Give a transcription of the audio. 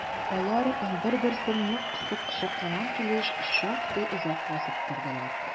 Алар бер-берсен нык кысып кочаклаган килеш шактый озак басып тордылар.